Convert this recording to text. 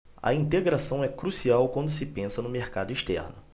a integração é crucial quando se pensa no mercado externo